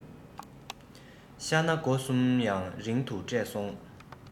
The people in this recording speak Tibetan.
ཤྭ གནའ དགོ གསུམ ཡང རིང དུ བསྐྲད སོང